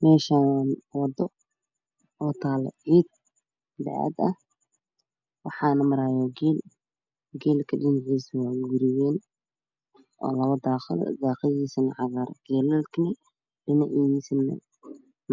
Meeshaan waa wado oo taala ciid bacaad ah waxaana maraayo geel dhiciisana